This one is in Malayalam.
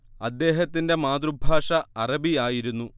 അദ്ദേഹത്തിന്റെ മാതൃഭാഷ അറബി ആയിരുന്നു